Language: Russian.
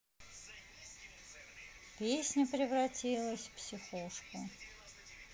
песня превратилась в психушку